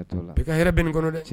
I ka hɛrɛ bɛ nin kɔnɔ dɛ